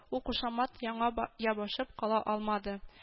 Ул кушамат аңа ябышып кала алмады